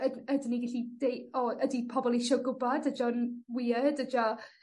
yd- ydyn ni gallu deu- o ydi pobol isio gwbod ydi o'n wierd ydi o ...